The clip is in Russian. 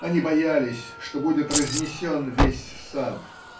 Они боялись, что будет разнесен весь сад.